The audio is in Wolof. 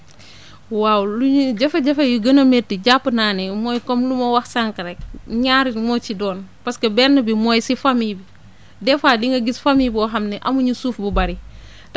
waaw lu ñuy jafe-jafe yu gën a métti jàpp naa ne mooy comme lu ma wax sànq rek ñaar moo ci doon parce que benn bi mooy si famille bi des fois dinga gis famille boo xam ne amuñu suuf bu bëri